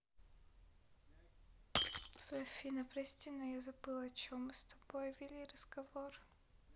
афина прости но я забыла о чем мы с тобой вели разговор